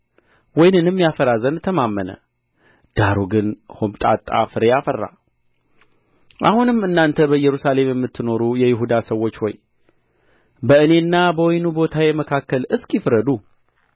ወይንንም ያፈራ ዘንድ ተማመነ ዳሩ ግን ሆምጣጣ ፍሬ አፈራ አሁንም እናንተ በኢየሩሳሌም የምትኖሩ የይሁዳ ሰዎች ሆይ በእኔና በወይኑ ቦታዬ መካከል እስኪ ፍረዱ